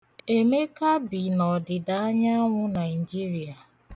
Emeka bi n'ọdịdaanyanwụ Naịjiria.